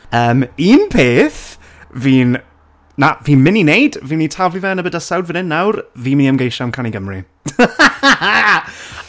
Yym un peth fi'n... na fi'n mynd i wneud, fi'n mynd i taflu fe yn y bydysawd fan hyn nawr, fi'n mynd i ymgeisio am Cân i Gymru .